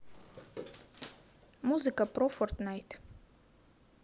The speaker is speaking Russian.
музыка про фортнайт